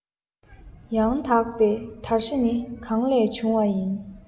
ཡང དག པའི བདར ཤ ནི གང ལས བྱུང བ ཡིན